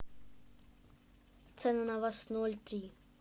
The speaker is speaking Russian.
цены на вас ноль три